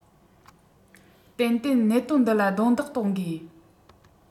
ཏན ཏན གནད དོན འདི ལ རྡུང རྡེག གཏོང དགོས